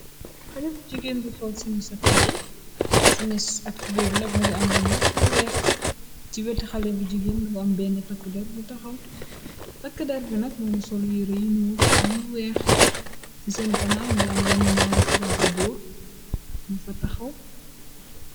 xale bu jigéen bu sol simsimis ak tubéy bi nag mu ngi am luñu lag lu weex ci wet xale bu jigeen bingi am benni takk-der bu taxaw takk der bi nag mu ngi sol yiira yuñu am lu weex ci seen kanaaw ngi am yenn ñaari tubaab yu góor ñi fa taxaw